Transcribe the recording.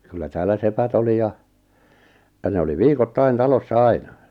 kyllä täällä sepät oli ja ja ne oli viikoittain talossa aina